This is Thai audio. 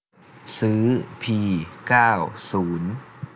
ซื้อพีเก้าศูนย์